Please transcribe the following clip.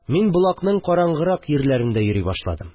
Мин болакның караңгырак йирләрендә йөри башладым